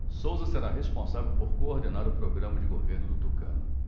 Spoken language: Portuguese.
souza será responsável por coordenar o programa de governo do tucano